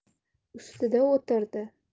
ustida o'tirdi